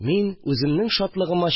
Мин, үземнең шатлыгыма чыдый